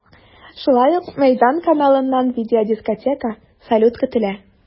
Шулай ук “Мәйдан” каналыннан видеодискотека, салют көтелә.